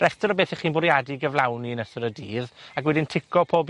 Rhester o bethe chi'n bwriadu gyflawni yn ystod y dydd, ag wedyn tico pob